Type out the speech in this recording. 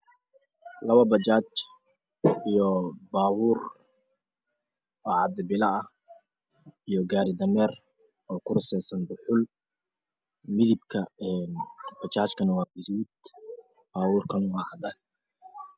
Halkan waa lami wax marayo moto bajaj iyo garay damer iyo cabdi bile motoda kalar kedo waa gadud iyo qahwi halka cabdi bileh oow kalar kisi yahay dahabi iyo cadan